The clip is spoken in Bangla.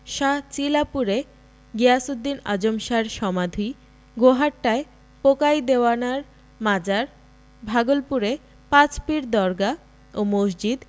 শাহ চিলাপুরে গিয়াসউদ্দীন আজম শাহ র সমাধি গোহাট্টায় পোঁকাই দেওয়ানার মাজার ভাগলপুরে পাঁচ পীর দরগাহ ও মসজিদ